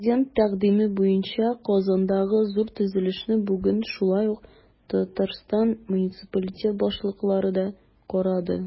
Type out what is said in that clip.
Президент тәкъдиме буенча Казандагы иң зур төзелешне бүген шулай ук ТР муниципалитет башлыклары да карады.